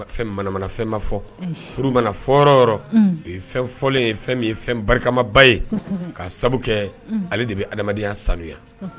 Fɛn manamana fɛn ma fɔ, unhun, furu mana fɔ yɔrɔ o yɔrɔ, unhun, o ye fɛn fɔlen ye fɛn min ye fɛn barikamaba ye, kosɛbɛ, ka sabu kɛ, unhun, ale de bɛ hadamadenya sanuya